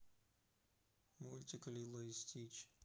мультик лило и стич